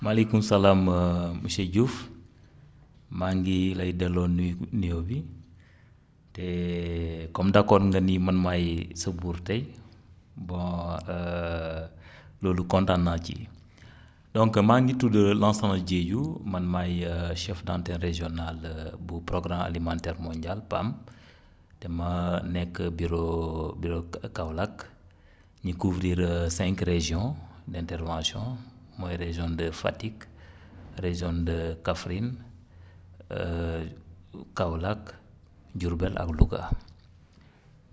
maaliykum salaam monsieur Diouf maa ngi lay delloo nuyu nuyoo bi te comme d' : fra accord nga ni man maay sa buur tay bon loolu kontaan naa ci donc maa ngi tudd Lansana Diedhiou man maay chef d' antenne régionale bu programme alimentaire mondial PAM te maa nekk bureau bureau Ka Kaolack ñu couvrir cinq régions d' intervention mooy région de Fatick région de Kaffrine Kaolack Diourbel ak Louga